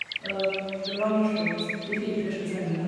Og det var morsomt de fire første sangene.